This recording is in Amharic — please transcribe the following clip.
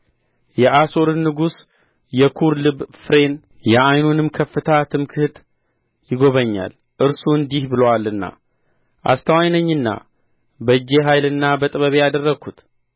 የአሦርን ንጉሥ የኩሩ ልብ ፍሬን የዓይኑንም ከፍታ ትምክሕት ይጐበኛል እርሱ እንዲህ ብሎአልና አስተዋይ ነኝና በእጄ ኃይልና በጥበቤ አደረግሁት